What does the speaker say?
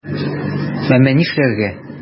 Әмма нишләргә?!